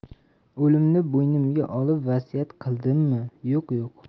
o'limni bo'ynimga olib vasiyat qildimmi yo'q yo'q